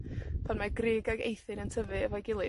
Pan mae grug ag eithin yn tyfu efo'i gilydd.